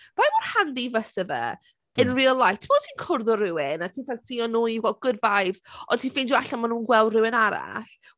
Faint mor handy fyse fe in real life, tibod ti'n cwrdd â rhywun a ti'n ffansio nhw, you've got good vibes, ond ti'n ffeindio allan ma' nhw'n gweld rhywun arall.